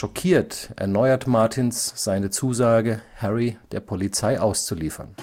Schockiert erneuert Martins seine Zusage, Harry der Polizei auszuliefern